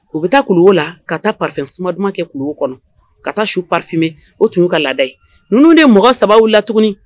U bɛ taa kulu la ka taa pafe su dumanuma kɛ kulu kɔnɔ ka taa su paffinme o tun ka laada ye ninnu de mɔgɔ sababu lat tuguni